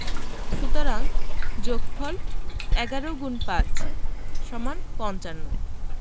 সুতরাং যোগফল ১১*৫=৫৫